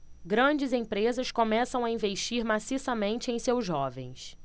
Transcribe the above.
grandes empresas começam a investir maciçamente em seus jovens